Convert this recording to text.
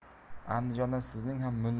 andijonda sizning ham